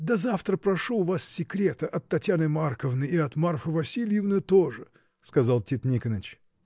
— До завтра прошу у вас секрета от Татьяны Марковны и от Марфы Васильевны тоже! — сказал Тит Никоныч.